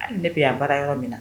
Ne bɛ'an baara yɔrɔ min na